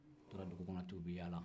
o tora dugu kɔnɔ ten u bɛ yala